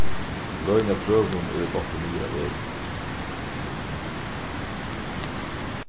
bløðini á trøunum eru dottin niður á vegin